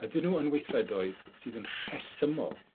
ydyn nw yn weithredoedd sydd yn rhesymol?